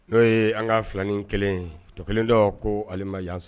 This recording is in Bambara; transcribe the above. N'o ye an ka filanin kelen tɔ kelen dɔ ko ali ma yan sɔrɔ